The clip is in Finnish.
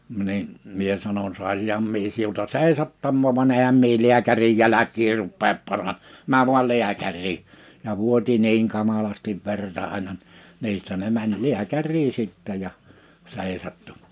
niin minä sanoin saisinhan minä sinulta seisahtumaan vaan enhän minä lääkärin jälkiä rupea - mene vain lääkäriin ja vuoti niin kamalasti verta aina niistä ne meni lääkäriin sitten ja seisahtui